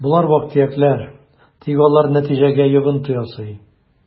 Болар вак-төякләр, тик алар нәтиҗәгә йогынты ясый: